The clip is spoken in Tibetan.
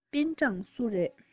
པེན ཀྲང སུ རེད